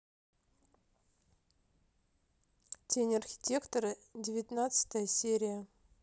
тень архитектора девятнадцатая серия